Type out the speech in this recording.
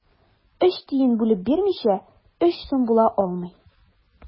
Өч тиен бүлеп бирмичә, өч сум була алмый.